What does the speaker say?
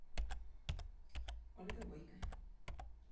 ольга бойко